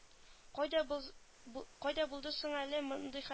Кайда булды соң әле мондый